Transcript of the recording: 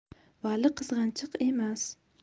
vali qizg'anchiq emas